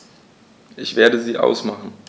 Ich werde sie ausmachen.